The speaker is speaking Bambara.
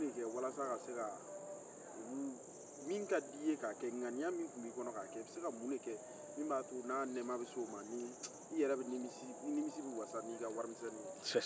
e bɛ se ka mun de kɛ walasa o nɛɛma ka se u ani k'i yɛrɛ nimisi wasa